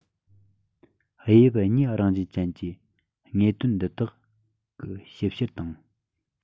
དབྱིབས གཉིས རང བཞིན ཅན གྱི དངོས དོན འདི དག གི ཞིབ བཤེར དང